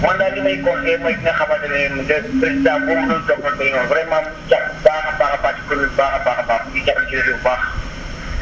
moom daal li may conseillé mooy ki nga xamante ne mu de président boo mënoon jokkoonteeg ñoom vraiment mu jàpp bu baax a baax si commune bi bu baax a baax a baax ñu jàpp si réseau bi bu baax